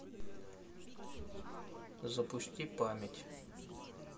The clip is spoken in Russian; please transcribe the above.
запусти память